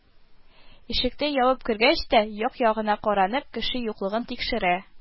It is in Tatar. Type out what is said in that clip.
Ишекне ябып кергәч тә, як-ягына каранып, кеше юклыгын тикшерә